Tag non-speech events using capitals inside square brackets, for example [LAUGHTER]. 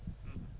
[NOISE] [HESITATION] [HESITATION]